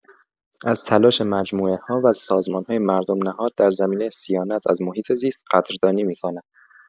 از تلاش مجموعه‌ها و سازمان‌های مردم‌نهاد در زمینه صیانت از محیط‌زیست قدردانی می‌کنم.